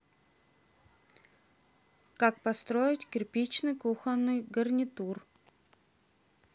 как построить кирпичный кухонный гарнитур